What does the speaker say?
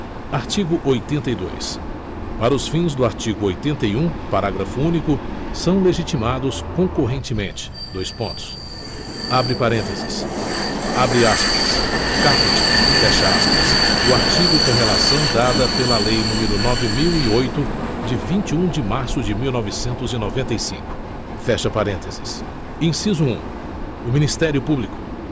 artigo oitenta e dois para os fins do artigo oitenta e um parágrafo único são legitimados concorrentemente dois pontos abre parênteses abre aspas caput fecha aspas do artigo com relação dada pela lei número nove mil e oito de vinte e um de março de mil novecentos e noventa e cinco fecha parênteses inciso um o ministério público